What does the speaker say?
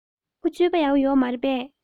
ཁོའི སྤྱོད པ ཡག པོ ཡོད མ རེད པས